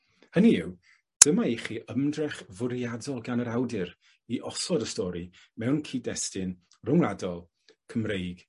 Hynny yw dyma i chi ymdrech fwriadol gan yr awdur i osod y stori mewn cyd-destun rwngwladol Cymreig